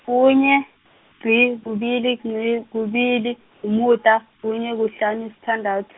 kunye, ngci, kubili, ngci, kubili, umuda, kunye, kuhlanu, sithandathu.